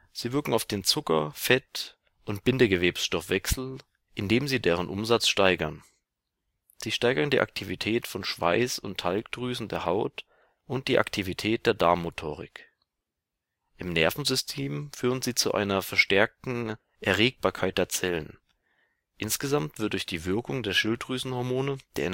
Sie wirken auf den Zucker -, Fett - und Bindegewebsstoffwechsel, indem sie deren Umsatz steigern. Sie steigern die Aktivität von Schweiß - und Talgdrüsen der Haut und die Aktivität der Darmmotorik. Im Nervensystem führen sie zu einer verstärkten Erregbarkeit der Zellen. Insgesamt wird durch die Wirkung der Schilddrüsenhormone der